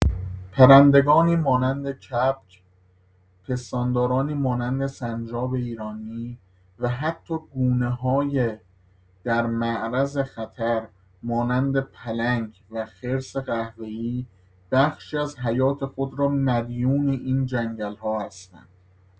پرندگانی مانند کبک، پستاندارانی مانند سنجاب ایرانی و حتی گونه‌های در معرض خطر مانند پلنگ و خرس قهوه‌ای بخشی از حیات خود را مدیون این جنگل‌ها هستند.